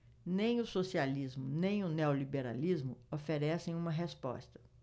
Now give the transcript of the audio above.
nem o socialismo nem o neoliberalismo oferecem uma resposta